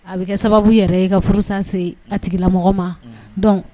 A bɛ kɛ sababu yɛrɛ ye ka furu sanse a tigila mɔgɔ ma dɔn